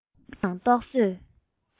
ལྐོག འགྱུར དང རྟོག བཟོས